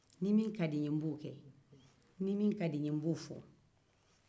ni min ka di n ye n b'o fɔ ni min ka n ye n b'o kɛ